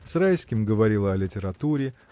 С Райским говорила о литературе